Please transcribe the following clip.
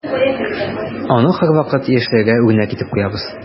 Аны һәрвакыт яшьләргә үрнәк итеп куябыз.